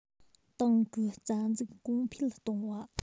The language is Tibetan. ཏང གི རྩ འཛུགས གོང འཕེལ གཏོང བ